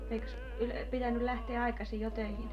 eikös pitänyt lähteä aikaisin jo töihin